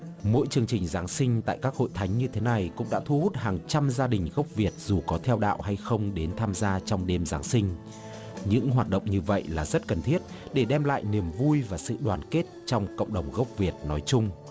mỗi chương trình giáng sinh tại các hội thánh như thế này cũng đã thu hút hàng trăm gia đình gốc việt dù có theo đạo hay không đến tham gia trong đêm giáng sinh những hoạt động như vậy là rất cần thiết để đem lại niềm vui và sự đoàn kết trong cộng đồng gốc việt nói chung